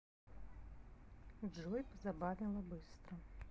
джой позабавило быстро